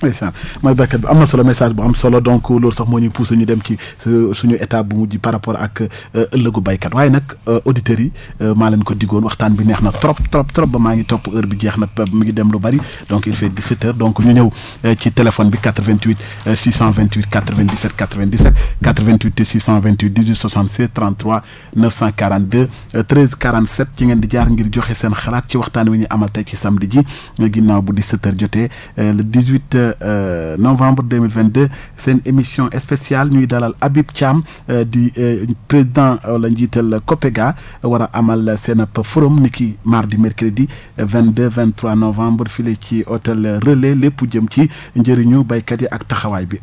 ndeysaan mooy béykat bi am na solo message bu am solo donc loolu sax moo ñuy poussé ñu dem ci sa suñu étape bu mujj par rapport ak ëllëgu béykat waaye nag auditeurs yi maa leen ko digoon waxtaan bi neex na trop trop trop trop ba maa ngi topp heure bi jeex na ba mu ngi dem lu bëri donc il fait dix sept heures donc ñu ñëw ci téléphone bi 88 628 97 97 88 628 18 76 33 942 13 47 ci ngeen di jaar ngir joxe seen xalaat ci waxtaan bi ñuy amal tey ci samedi jii ginnaaw bu dix sept heure jotee le dix huit novembre 2022 seen émission spéciale ñuy dalal Habib Thiam di président wala njiital COPEGA war a amal seen ab forum ni ki mardi mercredi 22 23 novembre file ci hôtel Relais lépp jëm ci